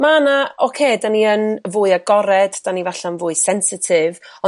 ma' 'na oce 'da ni yn fwy agored 'da ni 'falla' yn fwy sensitif ond